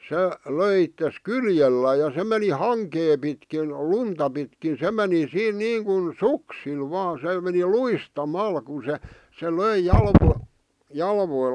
se löi itsensä kyljellään ja se meni hankea pitkin lunta pitkin se meni siinä niin kuin suksilla vain se meni luistamalla kun se se löi --